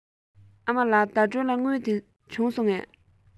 ཨ མ ལགས ཟླ སྒྲོན ལ དངུལ དེ བྱུང སོང ངས